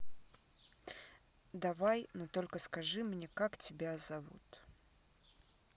давай но только скажи мне как тебя зовут